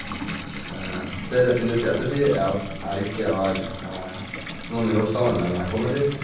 Det de har funnet ut i ettertid, er at jeg ikke har noen å jobbe sammen med når jeg kommer dit.